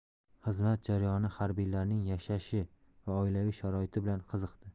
xizmat jarayoni harbiylarning yashash va oilaviy sharoiti bilan qiziqdi